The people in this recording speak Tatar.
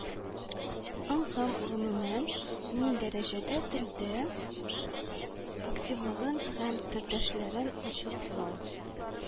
Ын һәм гомумән ни дәрәҗәдә телдә активлыгын һәм төрдәшләрен ачыклау